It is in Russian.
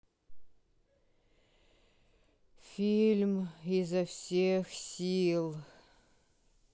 фильм изо всех сил